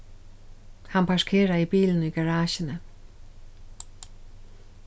hann parkeraði bilin í garasjuni